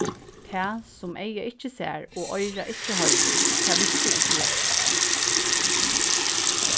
tað sum eygað ikki sær og oyrað ikki hoyrir tað virkir ikki hjartað